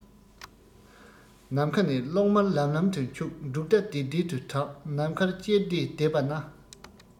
ནམ མཁའ ནས གློག དམར ལམ ལམ དུ འཁྱུག འབྲུག སྒྲ ལྡིར ལྡིར དུ གྲགས ནམ མཁར ཅེར ཏེ བསྡད པ ན